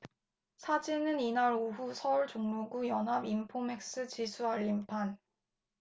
사진은 이날 오후 서울 종로구 연합인포맥스 지수 알림판